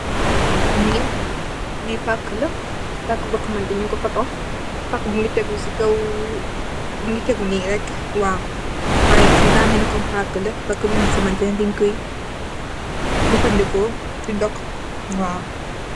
Lii, lii paakala, paaka boo xam ne ñungko foto, paakë mungi deegu si kow...mungi tegu nii rek, waaw. Waay dafa melni, kom paaka la, paaka buñu xam ne dañgkooy jafëndeko dog, waaw.